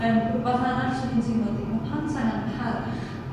Yym rwbeth arall 'swn i'n teimlo 'di ma' p'an't angen parch.